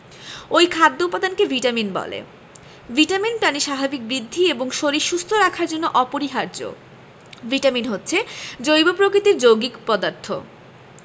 ঐ খাদ্য উপাদানকে ভিটামিন বলে ভিটামিন প্রাণীর স্বাভাবিক বৃদ্ধি এবং শরীর সুস্থ রাখার জন্য অপরিহার্য ভিটামিন হচ্ছে জৈব প্রকৃতির যৌগিক পদার্থ